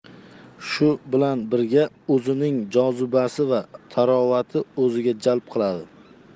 shu bilan birga o'zining jozibasi va tarovati o'ziga jalb qiladi